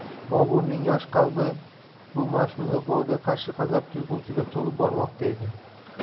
boburning yosh qalbi bu mashum ig'voga qarshi g'azab tuyg'usiga to'lib bormoqda edi